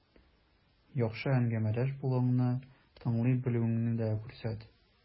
Яхшы әңгәмәдәш булуыңны, тыңлый белүеңне дә күрсәт.